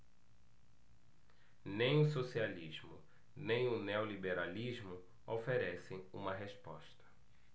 nem o socialismo nem o neoliberalismo oferecem uma resposta